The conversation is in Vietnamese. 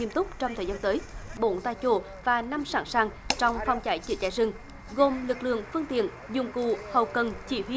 nghiêm túc trong thời gian tới bốn tại chỗ và năm sẵn sàng trong phòng cháy chữa cháy rừng gồm lực lượng phương tiện dụng cụ hậu cần chỉ huy